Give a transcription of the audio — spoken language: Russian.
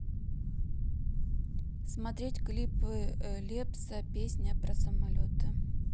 смотреть клипы лепса песня про самолеты